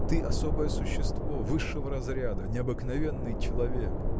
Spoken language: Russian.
ты особое существо, высшего разряда, необыкновенный человек.